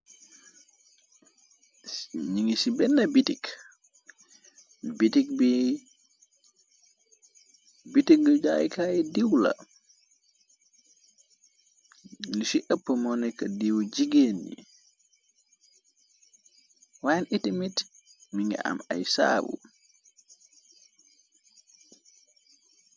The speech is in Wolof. Ningi ci benn bitik bitik bi bitig gu jaaykaay diiw la li ci ëpp moneka diiw jigéen ni wayne itimit mi nga am ay saabu.